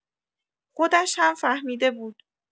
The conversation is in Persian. خودش هم فهمیده بود.